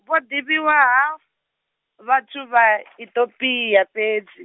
vho ḓivhiwa ha, vhathu vha , Itopia fhedzi.